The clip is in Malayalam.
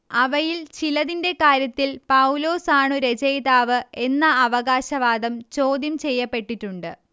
അവയിൽ ചിലതിന്റെ കാര്യത്തിൽ പൗലോസാണു രചയിതാവ് എന്ന അവകാശവാദം ചോദ്യംചെയ്യപ്പെട്ടിട്ടുണ്ട്